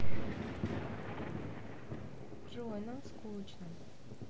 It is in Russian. джой нам скучно